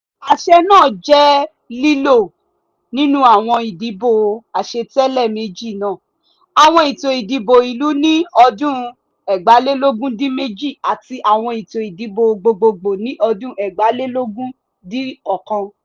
Àṣẹ náà jẹ́ lílò nínú àwọn ìdìbò àṣetẹ̀lé méjì náà — àwọn ètò ìdìbò ìlú ní ọdún 2018 àti àwọn ètò ìdìbò gbogboogbò ní ọdún 2019.